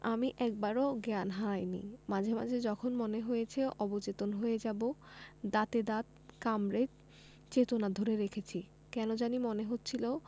আমি একবারও জ্ঞান হারাইনি মাঝে মাঝে যখন মনে হয়েছে অচেতন হয়ে যাবো দাঁতে দাঁত কামড়ে চেতনা ধরে রেখেছি কেন জানি মনে হচ্ছিলো